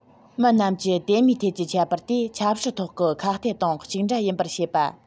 མི རྣམས ཀྱི དད མོས ཐད ཀྱི ཁྱད པར དེ ཆབ སྲིད ཐོག གི ཁ གཏད དང གཅིག འདྲ ཡིན པར བྱེད པ